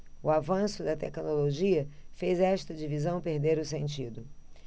o avanço da tecnologia fez esta divisão perder o sentido